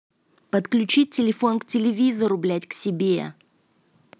подключить телефон к телевизору блядь к себе